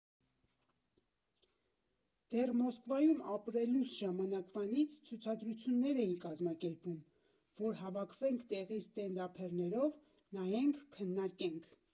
Դեռ Մոսկվայում ապրելուս ժամանակվանից ցուցադրություններ էի կազմակերպում, որ հավաքվենք տեղի ստենդափերներով, նայենք, քննարկենք։